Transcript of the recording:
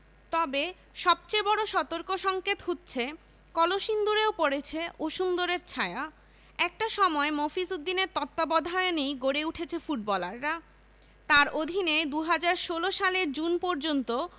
তবে সবচেয়ে বড় সতর্কসংকেত হচ্ছে কলসিন্দুরেও পড়েছে অসুন্দরের ছায়া একটা সময় মফিজ উদ্দিনের তত্ত্বাবধানেই গড়ে উঠেছে ফুটবলাররা তাঁর অধীনে ২০১৬ সালের জুন পর্যন্ত